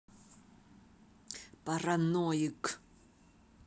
параноик